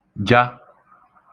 ja